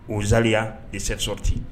Ozali i sere sɔriti